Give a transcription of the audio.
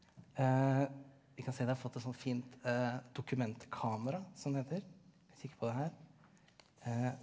vi kan se vi har fått et sånt fint dokumentkamera som det heter kikke på det her .